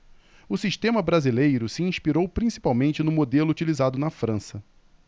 o sistema brasileiro se inspirou principalmente no modelo utilizado na frança